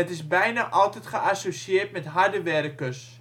is bijna altijd geassocieerd met harde werkers